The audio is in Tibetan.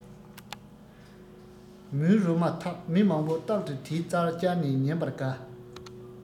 མུན རུབ མ ཐག མི མང པོ རྟག དུ དེའི རྩར བཅར ནས ཉན པར དགའ